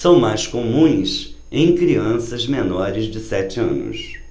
são mais comuns em crianças menores de sete anos